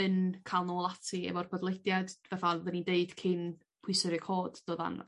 yn cal nôl ati efo'r podlediad fatha oddan ni' deud cyn pwyso record yrru cod dodd o'n